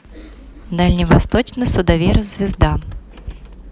дальневосточный судоверфь звезда